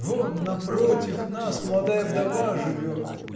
вон, напротив нас молодая вдова живет